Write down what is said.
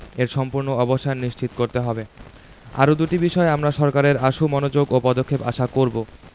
এর সম্পূর্ণ অবসান নিশ্চিত করতে হবে আরও দুটি বিষয়ে আমরা সরকারের আশু মনোযোগ ও পদক্ষেপ আশা করব